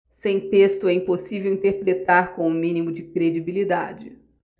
sem texto é impossível interpretar com o mínimo de credibilidade